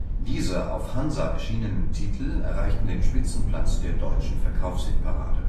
Diese auf Hansa erschienenen Titel erreichten den Spitzenplatz der deutschen Verkaufshitparade